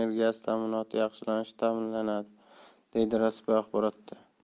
energiyasi ta'minoti yaxshilanishi ta'minlanadi deyiladi rasmiy axborotda